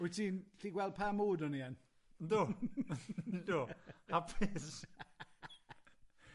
Wyt ti'n 'llu gweld pa mood o'n i yn? Yndw yndw hapus...